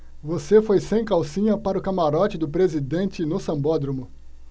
você foi sem calcinha para o camarote do presidente no sambódromo